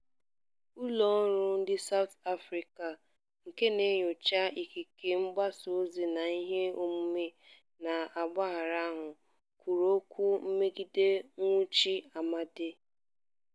The Media Institute of Southern Africa, nke na-enyocha ikike mgbasaozi na iheomume na mpaghara ahụ, kwuru okwu megide nwụchi Amade: